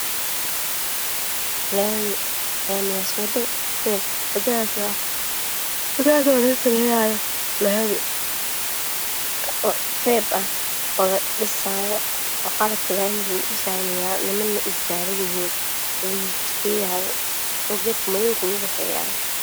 Waa laami oo bajaaj ay mareyso waana laami ladhisaayo waxaa yaalo qalabka lugu dhisaayo nimana ay joogaan.